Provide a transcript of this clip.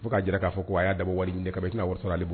U bɛ'a k'a fɔ ko a' da wa wali ɲini sɔrɔ